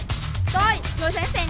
tôi người sẵn